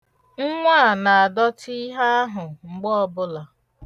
Nwa a na-adọtị ihe ahụ mgbe ọbụla.